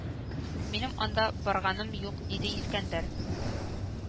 Минем анда барганым юк диде искәндәр